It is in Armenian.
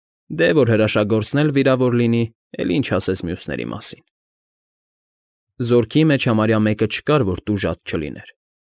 Դե որ հրաշագործն էլ վիրավորված լինի, էլ ինչ ասես մյուսներին մասին. զորքի մեջ համարյա մեկը չկար, որ տուժած չլիներ։